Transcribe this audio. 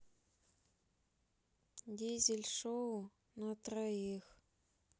дизель шоу на троих